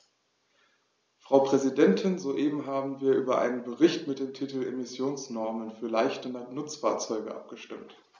Frau Präsidentin, soeben haben wir über einen Bericht mit dem Titel "Emissionsnormen für leichte Nutzfahrzeuge" abgestimmt.